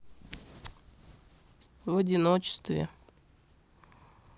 в одиночестве